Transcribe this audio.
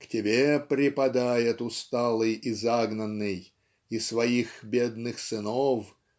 к тебе припадает усталый и загнанный и своих бедных сынов